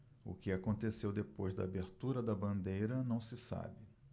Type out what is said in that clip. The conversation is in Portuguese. o que aconteceu depois da abertura da bandeira não se sabe